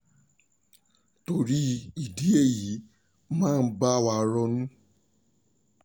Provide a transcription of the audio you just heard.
Torí ìdí èyí máa bá wa ronú!